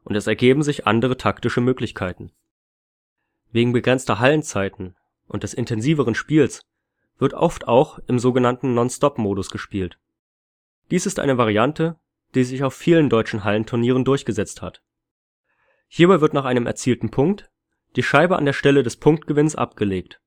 es ergeben sich andere taktische Möglichkeiten. Wegen begrenzter Hallenzeiten und des intensiveren Spiels wird oft auch im sogenannten Nonstop-Modus gespielt: Dies ist eine Variante, die sich auf vielen deutschen Hallenturnieren durchgesetzt hat. Hierbei wird nach einem erzielten Punkt die Scheibe an der Stelle des Punktgewinns abgelegt